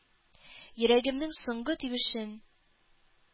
Йөрәгемнең соңгы тибешен!